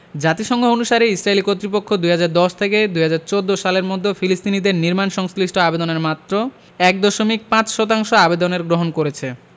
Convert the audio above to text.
জাতিসংঘ অনুসারে ইসরাইলি কর্তৃপক্ষ ২০১০ থেকে ২০১৪ সালের মধ্য ফিলিস্তিনিদের নির্মাণ সংশ্লিষ্ট আবেদনের মাত্র ১.৫ শতাংশ আবেদনের গ্রহণ করেছে